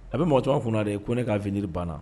A bɛ mɔgɔ caman kun de ye ko ne k ka vi banna